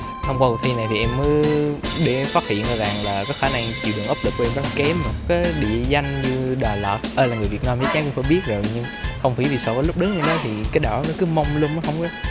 thông qua cuộc thi này thì em mới để ý phát hiện ra rằng là cái khả năng chịu đựng áp lực của em rất kém ạ cái địa danh như đà lạt ai là người việt nam thì chắn phải biết rồi nhưng không hiểu vì sao cái lúc đứng trên đó thì cái đầu nó cứ mông lung nó không có